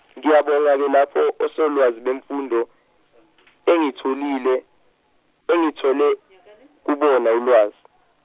ngiyabonga le lapho osolwazi bemfundo, engitholile, engithole kubona ulwazi.